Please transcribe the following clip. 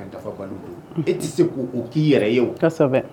E tɛ se k' k'i yɛrɛ ye o ta